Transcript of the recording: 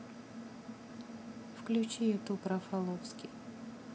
включи ютуб рафаловский